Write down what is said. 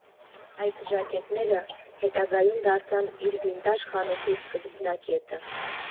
Այս ժակետները հետագայում դարձան իր վինտաժ խանութի սկզբնակետը։